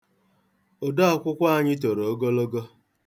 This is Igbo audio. Odaakwụkwọ anyị toro ogologo.